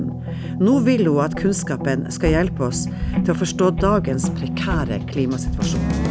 nå vil hun at kunnskapen skal hjelpe oss til å forstå dagens prekære klimasituasjon.